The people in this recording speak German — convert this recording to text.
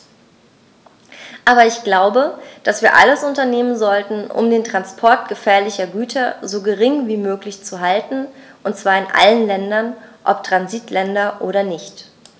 Aber ich glaube, dass wir alles unternehmen sollten, um den Transport gefährlicher Güter so gering wie möglich zu halten, und zwar in allen Ländern, ob Transitländer oder nicht.